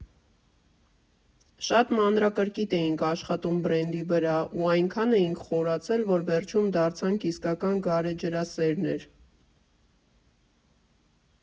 Շատ մանրակրկիտ էինք աշխատում բրենդի վրա, ու այնքան էինք խորացել, որ վերջում դարձանք իսկական գարեջրասերներ։